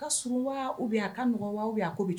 Ka sun waa bɛ yan a ka nɔgɔɔgɔ bɛ a k' bɛ